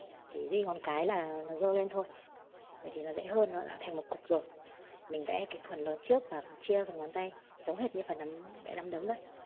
chỉ duy ngón cái là nó giơ lên thôi vậy thì mình sẽ gom nó lại thành một cục mình vẽ khoảng lớn trước và chia phần ngón tay ra tương tự như khi vẽ nắm đấm vậy